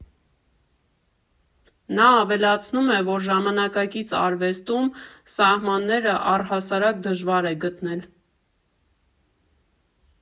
Նա ավելացնում է, որ ժամանակակից արվեստում սահմանները առհասարակ դժվար է գտնել։